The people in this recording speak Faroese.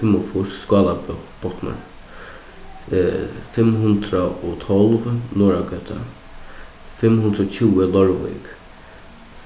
fimmogfýrs skálabotnur fimm hundrað og tólv norðragøta fimm hundrað og tjúgu leirvík